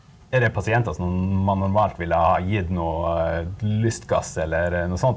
er det pasienter som man normalt ville ha gitt noe lystgass eller noe sånn?